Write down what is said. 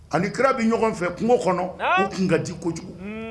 A ni kira bi ɲɔgɔn fɛ kungo kɔnɔ naam u tun kadi kojugu unn